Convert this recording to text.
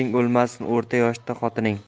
o'lmasin o'rta yoshda xotining